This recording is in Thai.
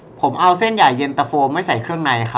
ผมเอาเส้นใหญ่เย็นตาโฟไม่ใส่เครื่องในครับ